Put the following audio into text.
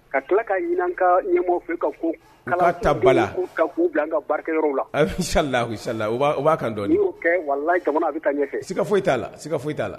Ka tila ka ɲininka ka ɲɛ ta la lasa sala u u b'a kan bɛ sika foyi t'a la sika foyi'a la